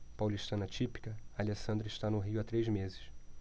paulistana típica alessandra está no rio há três meses